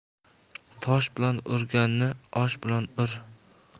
tosh bilan urganni osh bilan ur